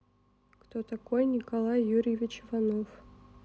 кто такой николай юрьевич иванов